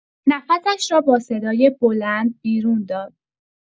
نفسش را با صدای بلند بیرون داد.